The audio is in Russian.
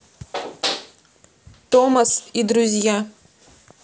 томас и друзья